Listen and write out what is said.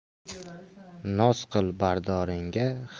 noz qil bardoringga